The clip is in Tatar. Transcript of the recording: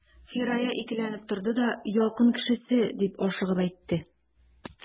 Фирая икеләнеп торды да: — Якын кешесе,— дип ашыгып әйтте.